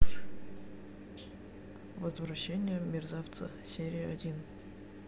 возвращение мерзавца серия один